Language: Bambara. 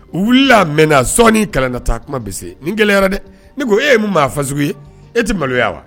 U wulila a mɛnna sɔɔni kalan nata kuma bi se . Nin gɛlɛyala dɛ ! Ne ko e ye mun maa fasugu ye e tɛ maloya wa?